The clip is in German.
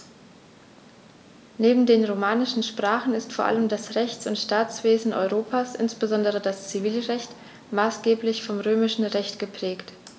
Neben den romanischen Sprachen ist vor allem das Rechts- und Staatswesen Europas, insbesondere das Zivilrecht, maßgeblich vom Römischen Recht geprägt.